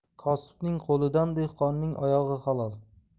kosibning qo'lidan dehqonning oyog'i halol